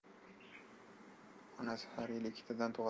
onasi har yili ikkitadan tug'adi